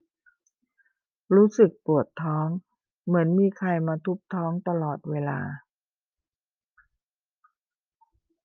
รู้สึกปวดท้องเหมือนมีใครมาทุบท้องตลอดเวลา